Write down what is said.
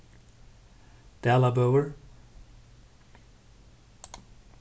dalabøur